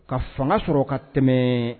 Ka fanga sɔrɔ ka tɛmɛɛ